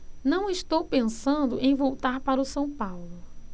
não estou pensando em voltar para o são paulo